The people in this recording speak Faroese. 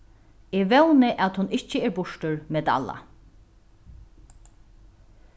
eg vóni at hon ikki er burtur med alla